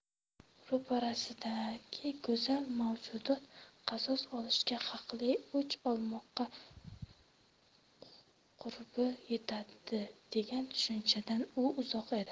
ro'parasidagi go'zal mavjudot qasos olishga haqli o'ch olmoqqa qurbi yetadi degan tushunchadan u uzoq edi